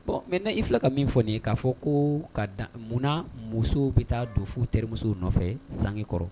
Ɔ maintenant i fila ka min fɔ nin ye k'a fɔ ko ka dan munna musow bɛ taa don f'u terimusow nɔfɛ sange kɔrɔ